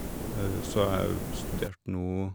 Så jeg studerte nå...